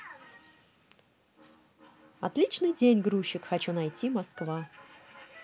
отличный день грузчик хочу найти москва